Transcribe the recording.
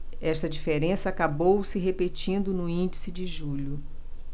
esta diferença acabou se refletindo no índice de julho